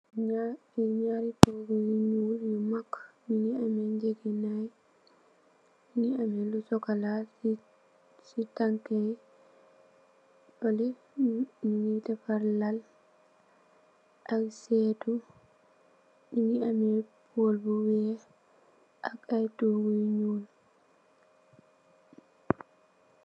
Naar naari togu yu nuul yu maag mogi ame ngegenay mogi ame lu cxocola si tankai fele nyu defar laal ay seetu moge ame pole bu weex ak ay togu yu nuul.